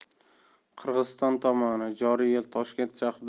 qirg'iziston tomoni joriy yil toshkent shahrida